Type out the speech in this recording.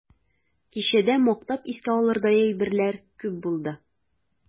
Кичәдә мактап искә алырдай әйберләр күп булды.